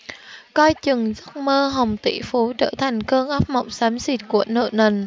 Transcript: coi chừng giấc mơ hồng tỉ phú trở thành cơn ác mộng xám xịt của nợ nần